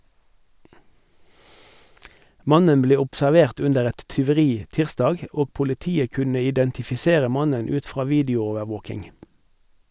Mannen ble observert under et tyveri tirsdag og politiet kunne identifisere mannen ut fra videoovervåking.